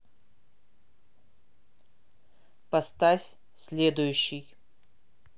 поставь следующий